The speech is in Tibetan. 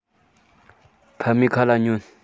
ཕ མའི ཁ ལ ཉོན